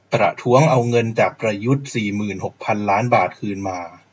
ประท้วงเอาเงินจากประยุทธ์สี่หมื่นหกพันล้านบาทคืนมา